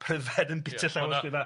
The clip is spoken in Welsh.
pryfed yn byta llawr ysgrifau ia.